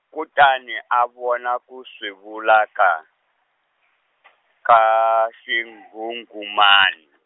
kutani a vona ku swe vula ka , ka xinghunghumani.